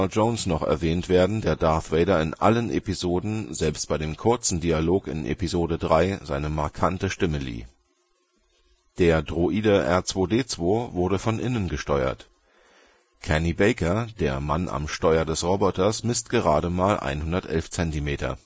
Jones noch erwähnt werden, der Darth Vader in allen Episoden, selbst bei dem kurzen Dialog in Episode III, seine markante Stimme lieh. Der Droide R2-D2 wurde von innen gesteuert. Kenny Baker, der Mann am Steuer des Roboters, misst gerade mal 111 cm